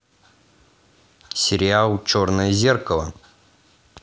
сериал черное зеркало